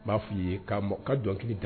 N ba fi ye ka mɔ ka dɔn